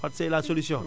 Fatou Seye la solution